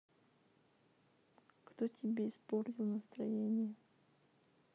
кто тебя испортил настроение